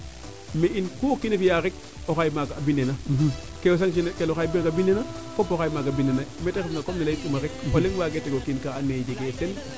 mais ku o kiina fiya rek oxey maaga bindena ke o sanction ne kel oxey maaga mbide na fopa xay maaga mbinde na mete refna comme ne leyit uma rek o leŋ waage tego kiin ka ando nayee jege fen